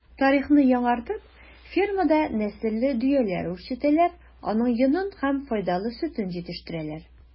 Тарихны яңартып фермада нәселле дөяләр үчретәләр, аның йонын һәм файдалы сөтен җитештерәләр.